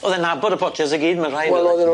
O'dd e'n nabod y potsiers i gyd ma' rhaid? Wel oedden